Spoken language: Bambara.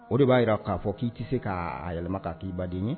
O de b'a jira k'a fɔ k'i tɛ se k'a yɛlɛma k' k'i baden ye